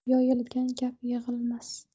yoyilgan gap yig'ilmas